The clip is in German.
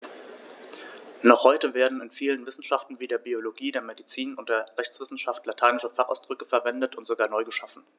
Noch heute werden in vielen Wissenschaften wie der Biologie, der Medizin und der Rechtswissenschaft lateinische Fachausdrücke verwendet und sogar neu geschaffen.